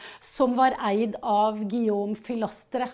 som var eid av Guillaume Fillastre.